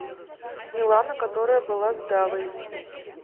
милана которая была с давой